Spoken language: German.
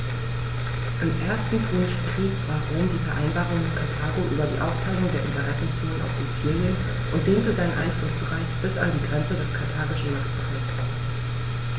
Im Ersten Punischen Krieg brach Rom die Vereinbarung mit Karthago über die Aufteilung der Interessenzonen auf Sizilien und dehnte seinen Einflussbereich bis an die Grenze des karthagischen Machtbereichs aus.